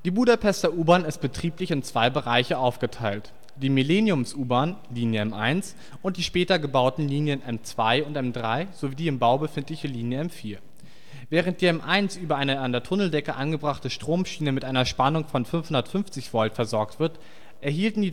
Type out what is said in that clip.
Budapester U-Bahn ist betrieblich in zwei Bereiche aufgeteilt: Die Millenniums-U-Bahn (Linie M1) und die später gebauten Linien M2 und M3 sowie die im Bau befindliche Linie M4. Während die M1 über eine an der Tunneldecke angebrachte Stromschiene mit einer Spannung von 550 Volt versorgt wird, erhielten